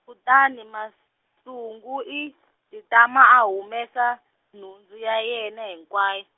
Kutani Masungu i, jitama a humesa, nhundzu ya yena hinkway-.